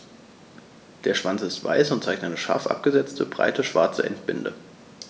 Der Schwanz ist weiß und zeigt eine scharf abgesetzte, breite schwarze Endbinde.